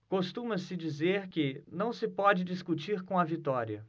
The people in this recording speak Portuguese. costuma-se dizer que não se pode discutir com a vitória